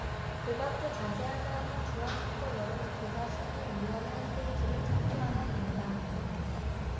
그밖의 자세한 사항은 중앙선거여론조사심의위원회 홈페이지를 참조하면 된다